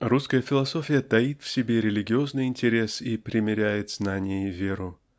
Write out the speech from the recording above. Русская философия таит в себе религиозный интерес и примиряет знание и веру.